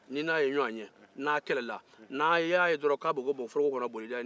ni i n'a ye ɲɔgɔn ye n'aw kɛlɛ la ni i y'a ye dɔrɔn ko a bɛ fɛ ka o bɔ foroko kɔnɔ boli dɛɛ